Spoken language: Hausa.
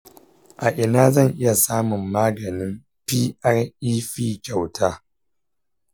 a ina zan iya samun maganin prep kyauta?